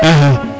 axa